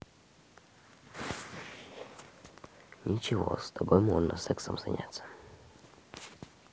ничего с тобой можно сексом заняться